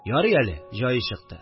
Ярый әле, җае чыкты